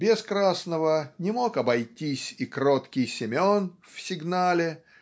Без красного не мог обойтись и кроткий Семен в "Сигнале"